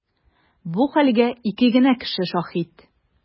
Бу хәлгә ике генә кеше шаһит.